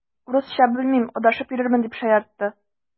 Урысча белмим, адашып йөрермен, дип шаяртты.